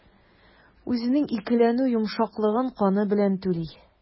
Үзенең икеләнү йомшаклыгын каны белән түли.